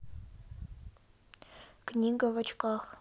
книга в очках